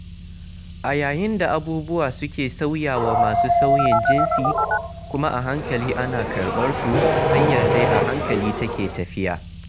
A yayin da abubuwa suke sauyawa masu sauyin jinsi, kuma a hankali ana karɓar su, hanyar dai a hankali take tafiya.